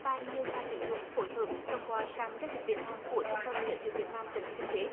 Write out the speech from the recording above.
và nhiều nhà tuyển dụng phối hợp thông qua sàn giao dịch việc làm của trung tâm giới thiệu việc làm tỉnh thừa thiên huế